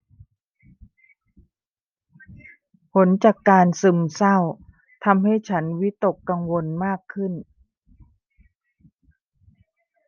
ผลจากการซึมเศร้าทำให้ฉันวิตกกังวลมากขึ้น